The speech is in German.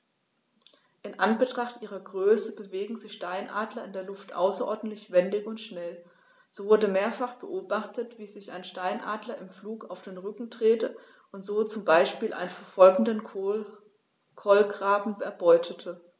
In Anbetracht ihrer Größe bewegen sich Steinadler in der Luft außerordentlich wendig und schnell, so wurde mehrfach beobachtet, wie sich ein Steinadler im Flug auf den Rücken drehte und so zum Beispiel einen verfolgenden Kolkraben erbeutete.